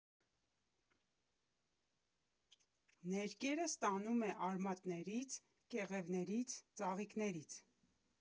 Ներկերը ստանում է արմատներից, կեղևներից, ծաղիկներից։